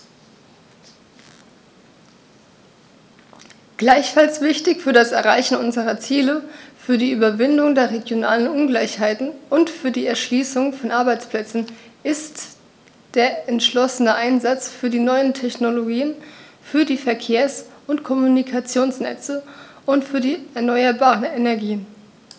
Gleichfalls wichtig für das Erreichen unserer Ziele, für die Überwindung der regionalen Ungleichheiten und für die Erschließung von Arbeitsplätzen ist der entschlossene Einsatz für die neuen Technologien, für die Verkehrs- und Kommunikationsnetze und für die erneuerbaren Energien.